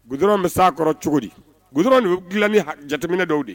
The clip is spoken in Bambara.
Gdiraw bɛ sa kɔrɔ cogo di gdi dɔrɔnraw dilan ni jateminɛ dɔw de ye